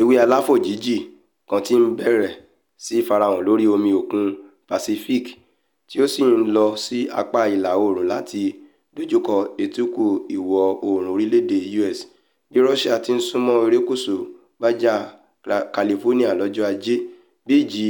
Ẹ̀wẹ̀, àlàfo jìnjìn kan ti bẹ̀rẹ̀ sí farahàn lórí omi Òkun Pacific tí ó sì ńlọ sí apá ìlà-oòrùn láti dójúkọ Etíkun Ìwọ̀-oòrùn orílẹ̀-èdè U.S. Bí Rosa ti ńsúnmọ́ erékùsù Baja Carlifonia lọ́jọ́ ajé bíi ìjì